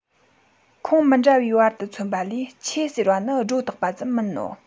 ཁོངས མི འདྲ བའི བར དུ མཚོན པ ལས ཆེ ཟེར བ ནི སྒྲོ བཏགས པ ཙམ མིན ནོ